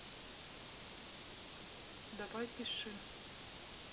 давай пиши